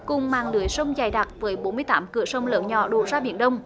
cùng mạng lưới sông dày đặc với bốn mươi tám cửa sông lớn nhỏ đổ ra biển đông